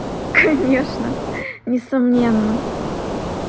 конечно несомненно